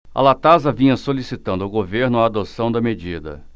a latasa vinha solicitando ao governo a adoção da medida